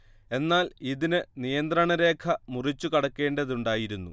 എന്നാൽ ഇതിന് നിയന്ത്രണരേഖ മുറിച്ചു കടക്കേണ്ടതുണ്ടായിരുന്നു